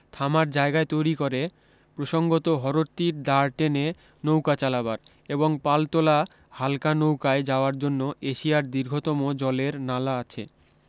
থামার জায়গা তৈরী করে প্রসঙ্গত হরদটির দাঁড় টেনে নৌকা চালাবার এবং পালতোলা হালকা নৌকায় যাওয়ার জন্য এশিয়ার দীর্ঘতম জলের নালা আছে